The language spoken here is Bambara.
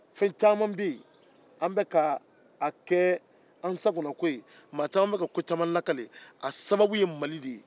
maa caman bɛ ka ko caman lakali o sababu ye mali de ye